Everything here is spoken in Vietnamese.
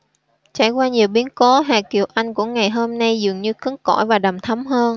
trải qua nhiều biến cố hà kiều anh của ngày hôm nay dường như cứng cỏi và đằm thắm hơn